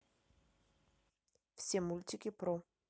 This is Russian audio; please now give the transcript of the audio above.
все мультики про